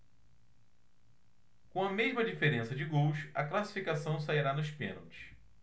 com a mesma diferença de gols a classificação sairá nos pênaltis